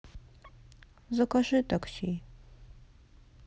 закажи такси